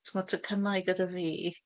Achos mae'r tocynnau gyda fi.